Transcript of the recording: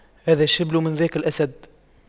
هذا الشبل من ذاك الأسد